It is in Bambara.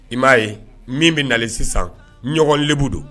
I m'a ye min bɛ na sisan ɲɔgɔn b don